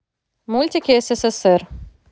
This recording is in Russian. мультики ссср